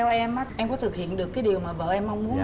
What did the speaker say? theo em á em có thực hiện được cái điều mà vợ em mong muốn hông